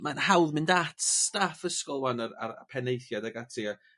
mae'n hawdd mynd at staff ysgol 'wan yr a'r penaethiad ag ati